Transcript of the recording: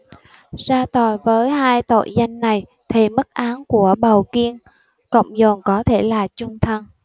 ra tòa với hai tội danh này thì mức án của bầu kiên cộng dồn có thể là chung thân